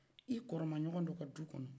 i kɔrɔma ɲɔgɔn dɔ ka du kɔnɔ